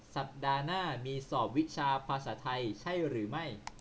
สัปดาห์หน้ามีสอบวิชาภาษาไทยใช่หรือไม่